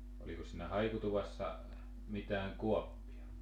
olikos siinä haikutuvassa mitään kaappia